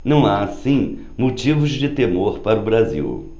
não há assim motivo de temor para o brasil